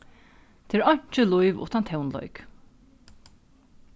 tað er einki lív uttan tónleik